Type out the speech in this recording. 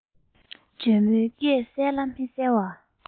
འཇོལ མོའི སྐད གསལ ལ མི གསལ བ